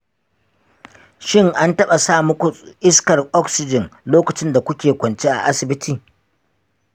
shin an taɓa sa muku iskar oxygen lokacin da kuke kwance a asibiti?